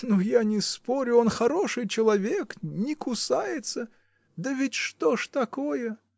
Ну, я не спорю, он хороший человек, не кусается; да ведь что ж такое?